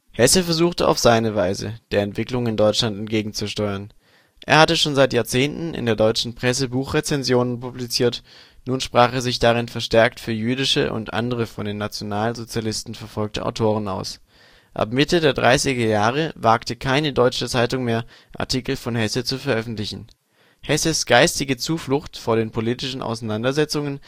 Hesse versuchte auf seine Weise, der Entwicklung in Deutschland entgegenzusteuern: Er hatte schon seit Jahrzehnten in der deutschen Presse Buchrezensionen publiziert - nun sprach er sich darin verstärkt für jüdische und andere von den Nationalsozialisten verfolgte Autoren aus. Ab Mitte der Dreißiger Jahre wagte keine deutsche Zeitung mehr, Artikel von Hesse zu veröffentlichen. Hesses geistige Zuflucht vor den politischen Auseinandersetzungen